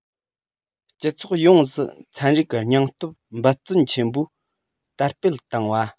སྤྱི ཚོགས ཡོངས སུ ཚན རིག གི སྙིང སྟོབས འབད བརྩོན ཆེན པོས དར སྤེལ བཏང བ